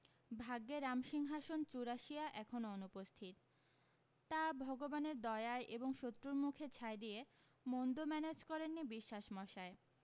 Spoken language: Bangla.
ভাগ্যে রামসিংহাসন চুরাসিয়া এখনও অনুপস্থিত তা ভগবানের দয়ায় এবং শত্রুর মুখে ছাই দিয়ে মন্দ ম্যানেজ করেননি বিশ্বাসমশাই